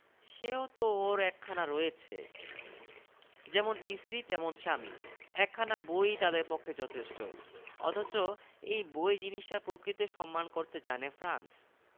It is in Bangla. সেও তো ওঁর একখানা রয়েছে যেমন স্ত্রী তেমন স্বামী একখানা বই ই তাদের পক্ষে যথেষ্ট অথচ এই বই জিনিসটার প্রকৃত সম্মান করতে জানে ফ্রান্স